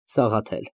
ՍԱՂԱԹԵԼ ֊